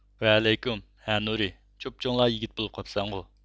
ۋەئەلەيكۇم ھە نۇرى چوپچوڭلا يىگىت بولۇپ قاپسەنغۇ